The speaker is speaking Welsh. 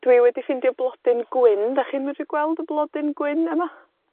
Dwi wedi ffindio blodyn gwyn. 'Dach chi'n medru gweld y blodyn gwyn yna?